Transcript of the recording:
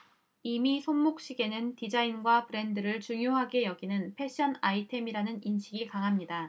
이미 손목시계는 디자인과 브랜드를 중요하게 여기는 패션 아이템이라는 인식이 강합니다